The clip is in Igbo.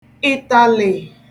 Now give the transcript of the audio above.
ị̀tàlị̀